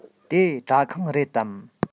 དེ སྐྲ ཁང རེད དམ